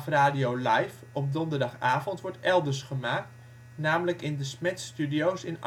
Radio Live op donderdagavond wordt elders gemaakt, namelijk in Desmet Studio 's Amsterdam